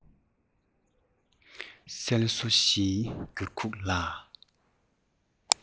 གསལ སོ བཞིའི འགྱུར ཁུག ལ